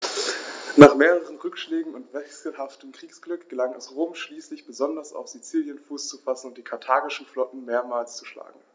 Nach mehreren Rückschlägen und wechselhaftem Kriegsglück gelang es Rom schließlich, besonders auf Sizilien Fuß zu fassen und die karthagische Flotte mehrmals zu schlagen.